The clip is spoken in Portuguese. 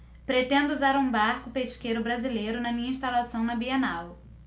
pretendo usar um barco pesqueiro brasileiro na minha instalação na bienal